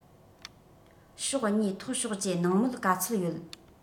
ཕྱོགས གཉིས ཐོག ཕྱོགས ཀྱིས ནང མོལ ག ཚོད ཡོད